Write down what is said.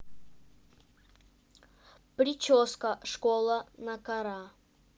прическа школа накара